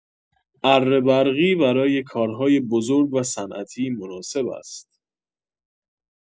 اره برقی برای کارهای بزرگ و صنعتی مناسب است.